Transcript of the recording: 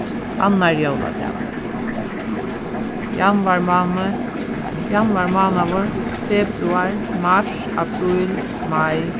annar jóladagur januar máni nei januar mánaður februar mars apríl mai